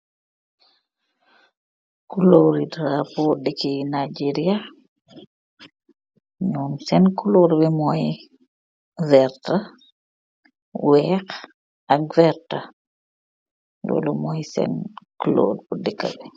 Colur ree darapu deki Nigeria ya nyom seen colur bi moi werta weex ak werta lolu moi sen colur ree dega b.